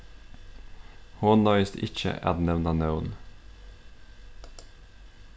hon noyðist ikki at nevna nøvn